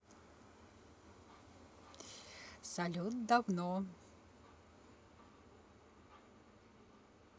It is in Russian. салют давно